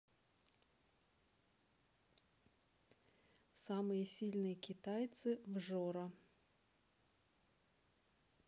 самые сильные китайцы в жора